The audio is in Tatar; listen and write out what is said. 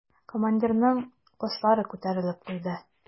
Командирның кашлары күтәрелеп куйды.